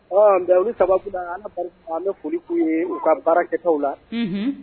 Mɛ u sababu an an foli' ye u ka baarakɛw la